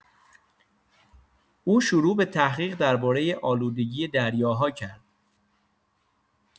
او شروع به تحقیق درباره آلودگی دریاها کرد.